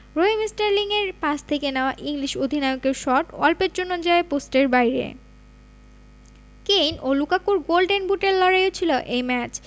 রহিম স্টার্লিংয়ের পাস থেকে নেওয়া ইংলিশ অধিনায়কের শট অল্পের জন্য যায় পোস্টের বাইরে কেইন ও লুকাকুর গোল্ডেন বুটের লড়াইও ছিল এই ম্যাচ